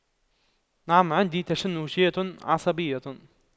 نعم عندي تشنجات عصبية